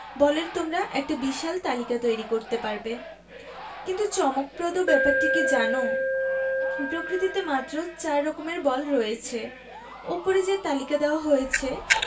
বলের তোমরা একটা বিশাল তালিকা তৈরি করতে পারবে কিন্তু চমকপ্রদ ব্যাপারটি কী জানো প্রকৃতিতে মাত্র চার রকমের বল রয়েছে ওপরে যে তালিকা দেওয়া হয়েছে